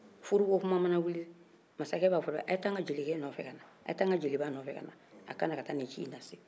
furukokuma mana wuli masakɛ b'a fɔ a ye taa n ka jelikɛ nɔfɛ ka na a ye taa n ka jeliba nɔfɛ a ka na a ka taa nin ci in lase